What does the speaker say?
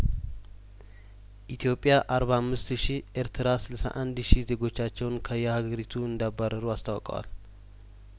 ኢትዮጵያ አርባ አምስት ሺህ ኤርትራ ስልሳ አንድ ሺህ ዜጐቻቸውን ከየሀገሪቱ እንዳ ባረሩ አስታውቀዋል